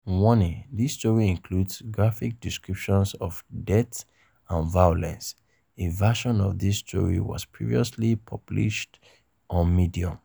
Warning: this story includes graphic descriptions of death and violence. A version of this story was previously published on Medium.